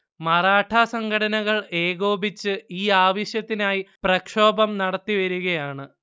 മറാഠാ സംഘടനകൾ ഏകോപിച്ച് ഈ ആവശ്യത്തിനായി പ്രക്ഷോഭം നടത്തിവരികയാണ്